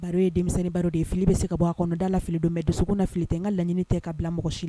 Baro ye denmisɛnnin baro de ye fili bɛ se ka bɔ a kɔnɔ da la fili don mais dusukun na fili tɛ n ka laɲini tɛ ka bila mɔgɔ si